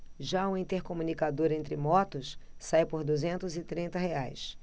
já o intercomunicador entre motos sai por duzentos e trinta reais